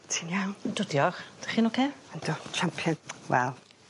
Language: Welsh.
Ti'n iawn? Yndw diolch 'dych chi'n ocê? Yndw champion wel